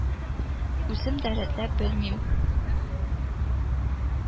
Үзем дә рәтләп белмим